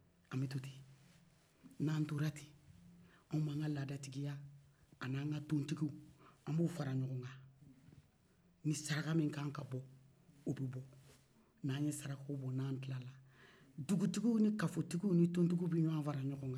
an bɛ to ten n'an tora ten anw b'an ka laadatigiya a n'an ka tontigigi an b'u fara ɲɔgɔn kan ni saraka min ka kan ka bɔ o bɛ bɔ n'an ye sarakaw bɔ n'an tilala dugutigiw ni kafotigi ni tontigiw bɛ ɲɔgɔn fara ɲɔgɔn kan